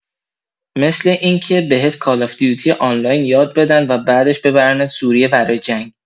مثل اینه که، بهت کالاف دیوتی آنلاین یاد بدن و بعدش ببرنت سوریه برای جنگ